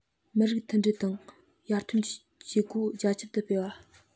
མི རིགས མཐུན སྒྲིལ དང ཡར ཐོན གྱི བྱེད སྒོ རྒྱ ཁྱབ ཏུ སྤེལ བ